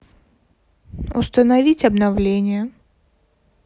установить обновление